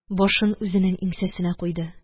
Башын үзенең иңсәсенә куйды.